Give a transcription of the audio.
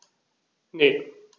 Ne.